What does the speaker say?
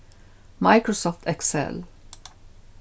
microsoft excel